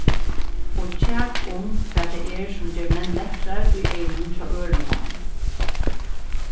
og kjak um hvat tað er sum ger menn lekkrar í eygunum hjá øðrum monnum